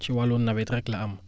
ci wàllu nawet rekk la am